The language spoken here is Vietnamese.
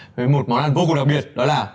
với một món ăn vô cùng đặc biệt đó là